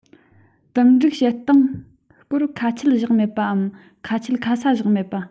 གཏུམ སྒྲིལ བྱེད སྟངས སྐོར ཁ ཆད བཞག མེད པའམ ཁ ཆད ཁ གསལ བཞག མེད པ